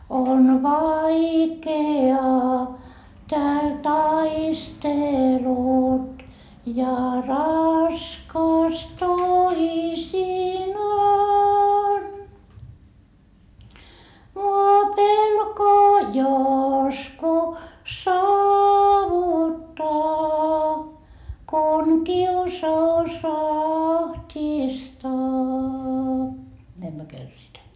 on vaikeaa täällä taistelut ja raskas toisinaan minua pelko josko saavuttaa kun kiusaus ahdistaa näin me kärsitään